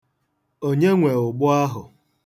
Onye nwe ụgbụ ahụ?